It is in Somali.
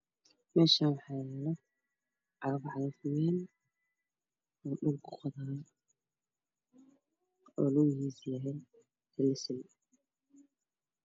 Meshan waxaa yalo cagaf cagaf wayn oo dhulka qodaa oo lugahiisu yihiin bensal